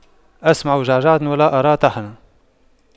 أسمع جعجعة ولا أرى طحنا